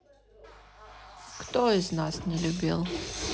кто из нас не любил